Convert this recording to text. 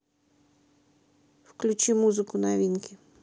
включи музыку новинки